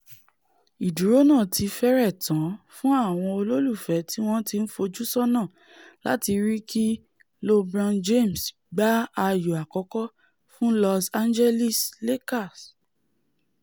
Ìdúró náà ti fẹ́rẹ̀ tán fún àwọn olólùfẹ́ tíwọ́n ti ńfojú ṣọ́nà láti ríi kí LeBron James gba ayò àkọ́kọ́ fún Los Angeles Lakers.